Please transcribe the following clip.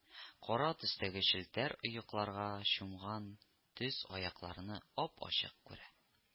Кара төстәге челтәр оекларга чумган төз аякларны ап-ачык күрә